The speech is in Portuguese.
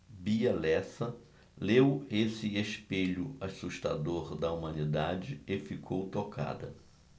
bia lessa leu esse espelho assustador da humanidade e ficou tocada